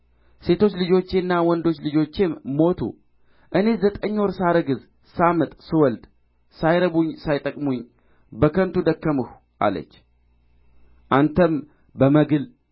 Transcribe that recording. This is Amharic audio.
ሴቶች ልጆቼና ወንዶች ልጆቼም ሞቱ እኔስ ዘጠኝ ወር ሳረግዝ ሳምጥ ስወልድ ሳይረቡኝ ሳይጠቅሙኝ በከንቱ ደከምሁ አለች አንተም በመግል